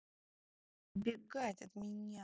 убегает от меня